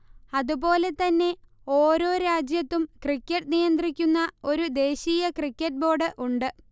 അതുപോലെതന്നെ ഓരോ രാജ്യത്തും ക്രിക്കറ്റ് നിയന്ത്രിക്കുന്ന ഒരു ദേശീയ ക്രിക്കറ്റ് ബോഡ് ഉണ്ട്